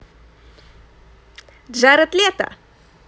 джаред лето